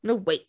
No way!